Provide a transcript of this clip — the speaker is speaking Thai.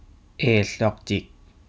เอซดอกจิก